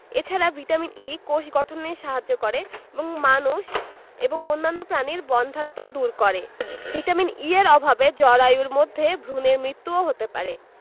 এ ছাড়া vitamin E কোষ গঠনে সাহায্য করে এবং মানুষ এবং অন্যান্য প্রাণীর বন্ধ্যাত্ব দূর করে ভিটামিন E এর অভাবে জরায়ুর মধ্যে ভ্রুনের মৃত্যুও হতে পারে